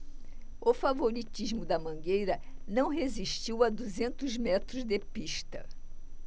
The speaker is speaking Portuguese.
o favoritismo da mangueira não resistiu a duzentos metros de pista